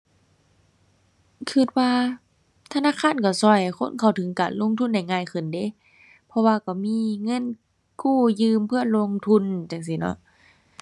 คิดว่า ธนาคารคิดคิดให้คนเข้าถึงการลงทุนได้ง่ายขึ้นเดะ เพราะว่าคิดมีเงินกู้ยืมเพื่อลงทุนจั่งซี้เนาะ